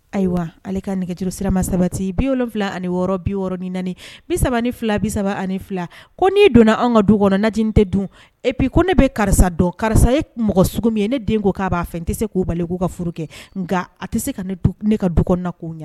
Ayiwa ka nɛgɛjuru sirama sabati bi o fila ani wɔɔrɔ bi ni bi saba ni fila bi saba ani fila ko n'i donna an ka du kɔnɔ nadi tɛ dun ep ko ne bɛ karisa dɔn karisa ye mɔgɔs min ye ne den ko k'a'a fɛ tɛ se k' bali k'u ka furu kɛ nka a tɛ se ka ne ka du kɔnɔ ko ɲɛ